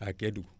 à Kédougou